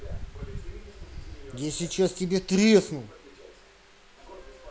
я сейчас тебе тресну